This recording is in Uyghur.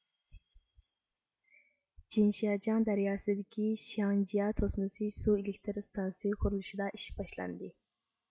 جىنشاجياڭ دەرياسىدىكى شياڭجيا توسمىسى سۇ ئېلېكتر ئىستانسىسى قۇرۇلۇشىدا ئىش باشلاندى